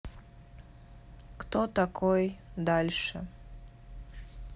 кто такой дальше